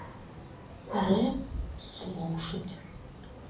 рэп слушать